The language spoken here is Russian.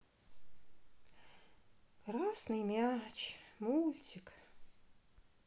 красный мяч мультик